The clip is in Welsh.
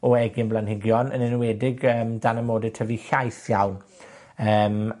o egin blanhigion, yn enwedig yym dan amode tyfu llaith iawn. Yym.